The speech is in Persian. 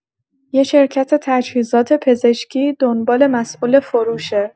یه شرکت تجهیزات پزشکی دنبال مسئول فروشه.